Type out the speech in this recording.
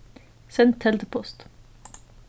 send teldupost